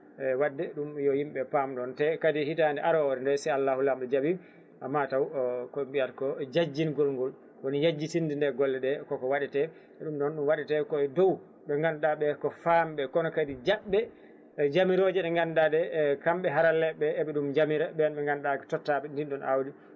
e wadde ɗum yo yimɓe paam noon te kadi hitande arore nde so Allahu lamɗo o jaaɓi mataw kooɓe mbiyata ko janjingol ngol woni yajintinde nde golleɗe koko waɗete ɗum noon ɗum waɗete koye dow ɓe ganduɗa ɓen ko famɓe kono kadi jabɓe jamiroje ɗe ganduɗa ɗe kamɓe haralleɓe eɓe ɗum jaamira ɓen ɓe ganduɗa ko tottaɓe ndi ɗon awdi